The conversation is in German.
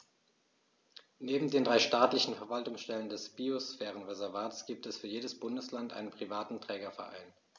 Neben den drei staatlichen Verwaltungsstellen des Biosphärenreservates gibt es für jedes Bundesland einen privaten Trägerverein.